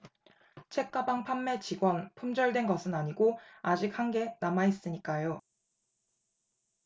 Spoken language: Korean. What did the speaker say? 책가방 판매 직원 품절된 것은 아니고 아직 한개 남아있으니까요